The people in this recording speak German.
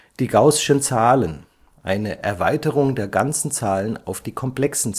die gaußschen Zahlen, eine Erweiterung der ganzen Zahlen auf die komplexen